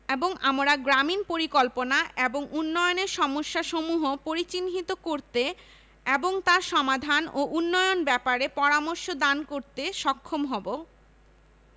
এবং আমরা গ্রামীন পরিকল্পনা এবং উন্নয়নের সমস্যাসমূহ পরিচিহ্নিত করতে এবং তার সমাধান ও উন্নয়ন ব্যাপারে পরামর্শ দান করতে সক্ষম হবো